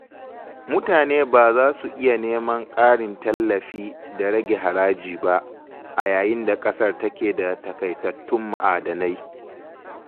Mutane ba za su iya neman ƙarin tallafi da rage haraji ba, a yayin da ƙasar take da taƙaitattun ma'adanai.